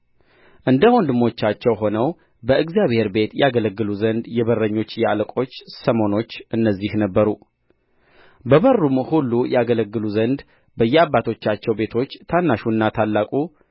እንደ ወንድሞቻቸው ሆነው በእግዚአብሔር ቤት ያገለግሉ ዘንድ የበረኞች የአለቆች ሰሞነኞች እነዚህ ነበሩ በበሩም ሁሉ ያገለግሉ ዘንድ በየአባቶቻቸው ቤቶች ታናሹና ታላቁ